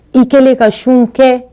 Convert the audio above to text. I kɛlen ka sun kɛ